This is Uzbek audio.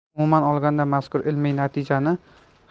umuman olganda mazkur ilmiy natijani